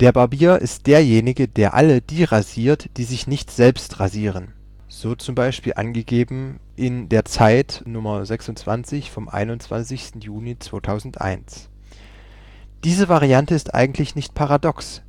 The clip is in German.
Barbier ist derjenige, der alle die rasiert, die sich nicht selbst rasieren. “(Angegeben zum Beispiel auf DIE ZEIT Nr. 26 vom 21. Juni 2001) Diese Variante ist eigentlich nicht paradox